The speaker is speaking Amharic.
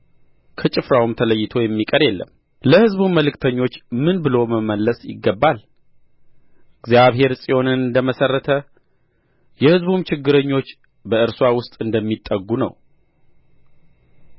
ከጭፍራውም ተለይቶ የሚቀር የለም ለሕዝቡም መልእክተኞች ምን ብሎ መመለስ ይገባል እግዚአብሔር ጽዮንን እንደ መሠረተ የሕዝቡም ችግረኞች በእርስዋ ውስጥ እንደሚጠጉ ነው